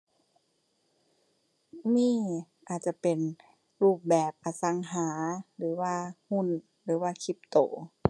มี อาจจะเป็นรูปแบบอสังหา หรือว่าหุ้น หรือว่าคริปโต